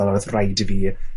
fel odd rhaid i fi